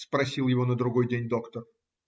- спросил его на другой день доктор.